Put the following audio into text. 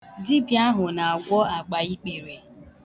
Dibia ahu na-agwọ agbaikpere